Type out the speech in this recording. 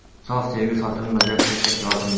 sof sevgi sotilmas yo kesakdek otilmas